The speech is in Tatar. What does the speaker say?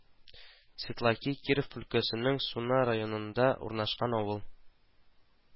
Светлаки Киров өлкәсенең Суна районында урнашкан авыл